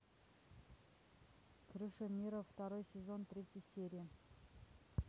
крыша мира второй сезон третья серия